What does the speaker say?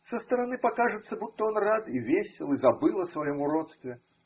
Со стороны покажется, будто он рад и весел и забыл о своем уродстве